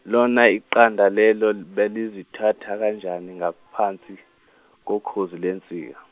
lona iqanda lelo bazolithatha kanjani ngaphansi kokhozi lwensi-.